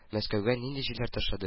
Мәскәүгә нинди җилләр ташлады?